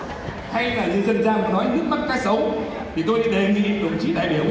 hay là như dân gian có nói nước mắt cá sấu thì tôi đề nghị đồng chí đại biểu